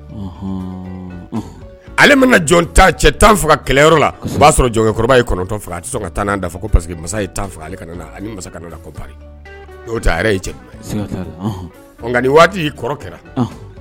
Ale bɛna cɛ tan kɛlɛyɔrɔ o'a sɔrɔ jɔnkɔrɔba yetɔn a tɛ ka taa pa que cɛ waati y'i kɔrɔ kɛra